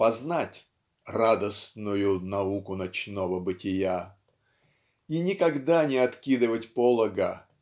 познать "радостную науку ночного бытия" и никогда не откидывать полога